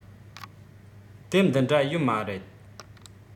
དེབ འདི འདྲ ཡོད མ རེད